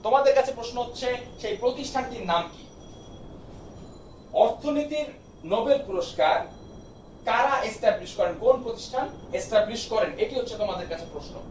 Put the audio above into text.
তোমাদের কাছে প্রশ্ন হচ্ছে সেই প্রতিষ্ঠানটির নাম কি অর্থনীতির নোবেল পুরস্কার কারা এস্টাবলিশ করেন কোন প্রতিষ্ঠান স্টাবলিশ করে এটি হচ্ছে তোমাদের কাছে প্রশ্ন